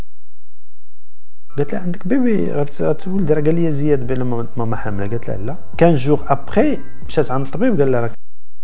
بدي عندك بيبي ماما قالت لا لا كان شوف حقي